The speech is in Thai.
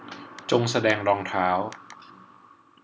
จงแสดงรองเท้า